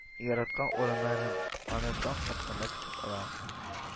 Яраткан урыннарын аны таң атканда көтеп ала